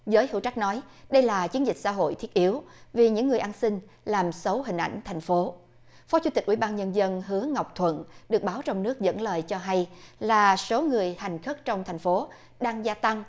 giới hữu trách nói đây là chiến dịch xã hội thiết yếu vì những người ăn xin làm xấu hình ảnh thành phố phó chủ tịch ủy ban nhân dân hứa ngọc thuận được báo trong nước dẫn lời cho hay là số người hành khất trong thành phố đang gia tăng